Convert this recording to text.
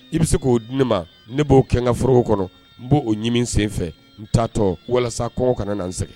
I bɛ se k'o di ne ma ne b'o kɛ ka foro kɔnɔ n b''o ɲimin n sen fɛ walasa n taa tɔ la kɔngɔ kana na n sɛgɛn.